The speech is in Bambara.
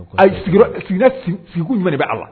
Ayi, sigiyɔrɔ sigida sigi sigikun jumɛn de b'a la